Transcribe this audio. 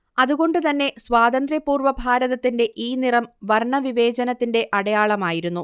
അതുകൊണ്ടുതന്നെ സ്വാന്ത്രപൂർവ്വ ഭാരതത്തിന്റെ ഈ നിറം വർണ്ണവിവേചനത്തിന്റെ അടയാളമായിരുന്നു